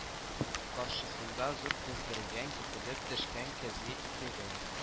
Каршысында зур көздергән кителеп төшкән көзге китеге